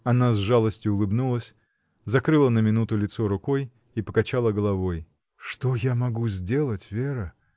Она с жалостью улыбнулась, закрыла на минуту лицо рукой и покачала головой. — Что я могу сделать, Вера?